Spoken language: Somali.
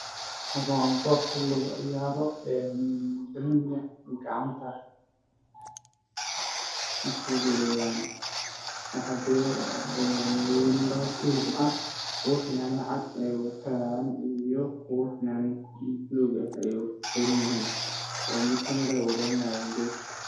Waa wiilal waxa ay ciyaarayaan banooniga basketball-ka waxa ay wataan fanaanado gacmo gaab ah